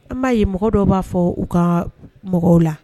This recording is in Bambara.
An b'a ye mɔgɔ dɔw b'a fɔɔ u kaa mɔgɔw la